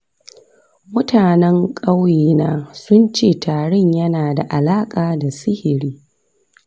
mutanen ƙauyena sun ce tarin yana da alaka da sihiri.